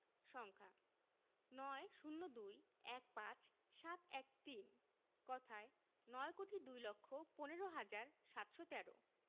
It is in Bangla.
সংখ্যাঃ ৯ ০২ ১৫ ৭১৩ কথায়ঃ নয় কোটি দুই লক্ষ পনেরো হাজার সাতশো তেরো